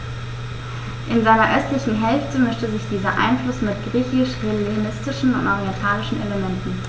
In seiner östlichen Hälfte mischte sich dieser Einfluss mit griechisch-hellenistischen und orientalischen Elementen.